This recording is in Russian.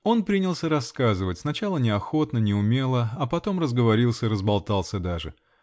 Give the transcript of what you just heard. Он принялся рассказывать -- сначала неохотно, неумело, а потом разговорился разболтался даже.